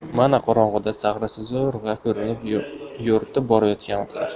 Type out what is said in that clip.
mana qorong'ida sag'risi zo'rg'a ko'rinib yo'rtib borayotgan otlar